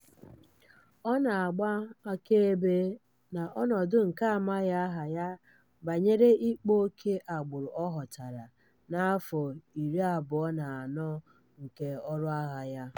Ọ na-agba akaebe na ọnọdụ nke amaghị aha ya banyere ịkpa oke agbụrụ ọ hụtara n'afọ 24 nke ọrụ agha ya: